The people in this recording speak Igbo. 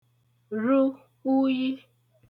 ru uyi